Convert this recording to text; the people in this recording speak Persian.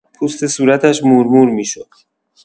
پوست صورتش مورمور می‌شد.